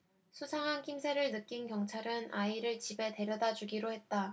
수상한 낌새를 느낀 경찰은 아이를 집에 데려다 주기로 했다